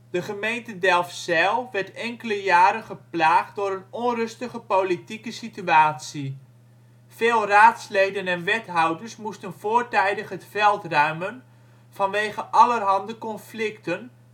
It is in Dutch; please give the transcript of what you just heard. De gemeente Delfzijl werd enkele jaren geplaagd door een onrustige politieke situatie. Veel raadsleden en wethouders moesten voortijdig het veld ruimen vanwege allerhande conflicten